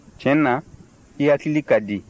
tiɲɛ na i hakili ka di